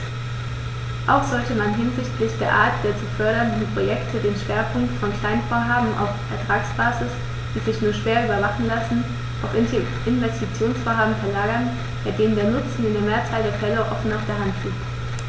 Auch sollte man hinsichtlich der Art der zu fördernden Projekte den Schwerpunkt von Kleinvorhaben auf Ertragsbasis, die sich nur schwer überwachen lassen, auf Investitionsvorhaben verlagern, bei denen der Nutzen in der Mehrzahl der Fälle offen auf der Hand liegt.